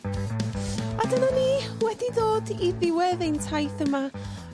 A dyna ni wedi dod i ddiwedd ein taith yma